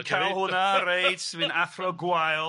Ti 'di ca'l hwnna reit dwi'n athro gwael!